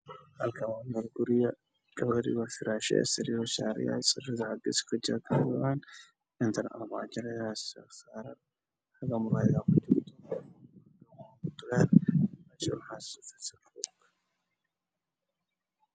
Meeshaan oo qol jiif ah oo kalirkiisu yahay haddaan waxaana ku dhex jiro sariir fadhi fadhiga madow waayo sararka waa caddaan